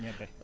ñebe